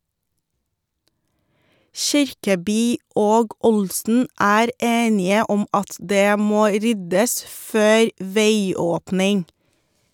Kirkeby og Olsen er enige om at det må ryddes før veiåpning.